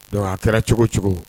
Don a kɛra cogo cogo